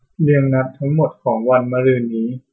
เรียงนัดทั้งหมดของวันมะรืนนี้